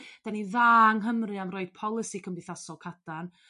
'dan ni dda yng Nghymru am roi polisi cymdeithasol cadarn